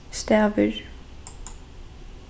stavir